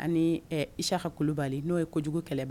An ni lsaka Kulubali n'o ye kojugu kɛlɛ.